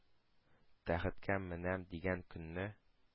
Тәхеткә менәм дигән көнне,